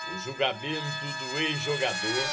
o julgamento do ex-jogador